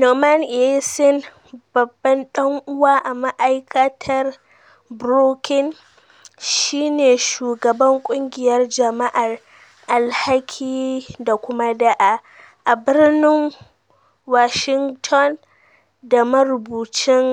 Norman Eisen, babban dan’uwa a ma’aikatar Brookings, shi ne shugaban kungiyar Jama'ar Alhaki da kuma da’a, a Birnin Washington da marubucin